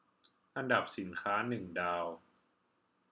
อันดับสินค้าหนึ่งดาว